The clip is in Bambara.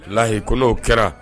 Lahili kolow kɛra